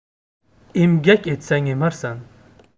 emgak etsang emarsan